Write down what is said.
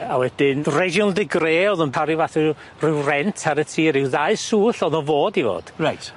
A wedyn Reginald de Grê o'dd yn paru fath o ryw rent ar y tŷ ryw ddau swll o'dd o'n fod i fod. Reit.